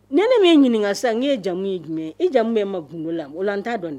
Ni ne min ɲininkaka sa n'e ye jamumu ye jumɛn e jamumu bɛ ma gdo la o la n t'a dɔn dɛ